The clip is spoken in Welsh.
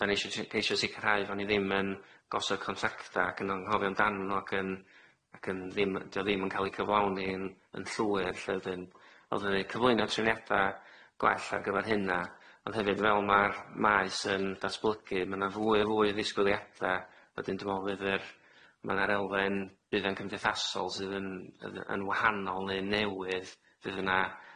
'Da ni isho ti- ceisho sicirhau fo' ni ddim yn gosod contacta ac yn anghofio amdanyn nw ac yn ac yn ddim yy dio ddim yn ca'l ei cyflawni yn yn llwyr lly 'dyn o'dda ni'n cyflwyno tryfniada gwell ar gyfar hynna ond hefyd fel ma'r maes yn datblygu ma' 'na fwy a fwy o ddisgwyliada wedyn dwi me'wl fydd yr ma'r elfen buddion cymdeithasol sydd yn yy yn wahanol ne'n newydd fydd 'na